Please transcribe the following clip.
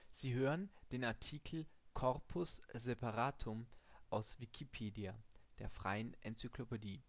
Sie hören den Artikel Corpus separatum, aus Wikipedia, der freien Enzyklopädie